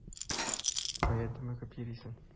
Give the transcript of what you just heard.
Кая дөмегеп йөрисең?